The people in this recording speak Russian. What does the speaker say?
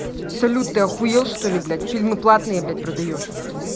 салют ты охуел что ли блядь фильмы платные блядь продаешь